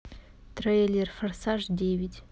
трейлер форсаж девять